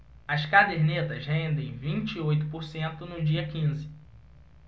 as cadernetas rendem vinte e oito por cento no dia quinze